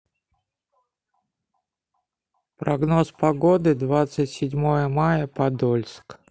прогноз погоды двадцать седьмое мая подольск